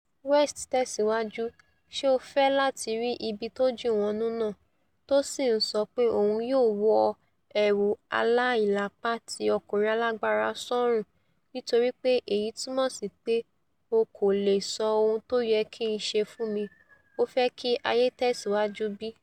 West tẹ̀síwájú: ''Ṣe o fẹ́ láti rí ibi tójìnwọnú náà?'' tó sì ńsọ pé òun yóò ''wọ ẹ̀wù aláìlápá ti ọkùnrin alágbára sọ́rùn, nítorípe èyí túmọ̀ sípé ò kò leè sọ ohun tóyẹ kí ńṣe fúnmi. Ó fẹ́ kí ayé tẹ̀síwájú bí?